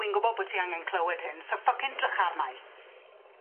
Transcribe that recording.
Wi'n gwbo bo' ti angen clywed hyn so ffycin 'drych arnai.